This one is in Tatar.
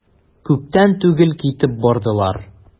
Күптән түгел китеп бардылар.